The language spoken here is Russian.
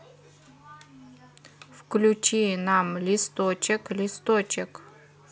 включи нам листочек листочек